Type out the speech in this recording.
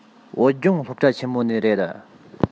བོད ལྗོངས སློབ གྲྭ ཆེན མོ ནས རེད